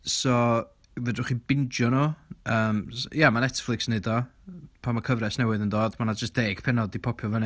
So fedrwch chi binjo nhw, ymm... s- ia, ma' Netflix yn wneud o pan mae cyfres newydd yn dod. Ma' 'na jyst deg pennod 'di popio i fyny.